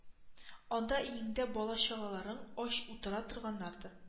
Анда өеңдә бала-чагаларың ач утыра торганнардыр